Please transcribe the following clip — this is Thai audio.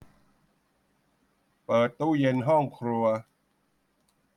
เปิดตู้เย็นห้องครัว